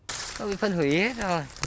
không phân hủy hết rồi